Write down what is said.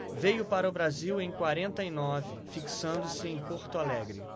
veio para o brasil em quarenta e nove fixando-se em porto alegre